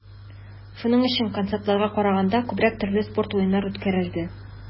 Шуның өчен, концертларга караганда, күбрәк төрле спорт уеннары үткәрелде.